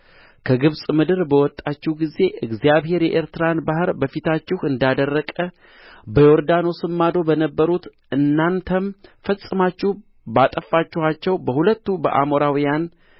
ከግብፅ ምድር በወጣችሁ ጊዜ እግዚአብሔር የኤርትራን ባሕር በፊታችሁ እንዳደረቀ በዮርዳኖስም ማዶ በነበሩት እናንተም ፈጽማችሁ ባጠፋችኋቸው በሁለቱ በአሞራውያን